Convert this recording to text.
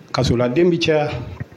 Kasola den bi caya